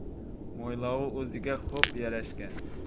mo'ylovi o'ziga xo'p yarashgan